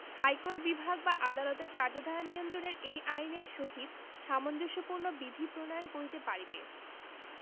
high court বিভাগ বা আদালতের কার্যধারা নিয়ন্ত্রণের এই আইনের সহিত সামঞ্জস্যপূর্ণ বিধি প্রণয়ন করিতে পারিবে